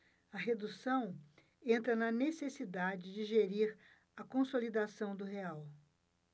a redução entra na necessidade de gerir a consolidação do real